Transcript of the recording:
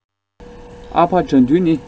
ཨ ཕ དགྲ འདུལ ནི